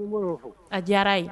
A diyara ye